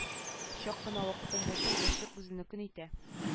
Чак кына вакытың булса яшьлек үзенекен итә